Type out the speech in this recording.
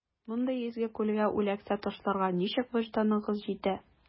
Мондый изге күлгә үләксә ташларга ничек вөҗданыгыз җитә?